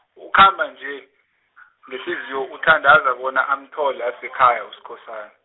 ukhamba nje, ngehliziyo uthandaza bona amthole asekhaya Uskhosana.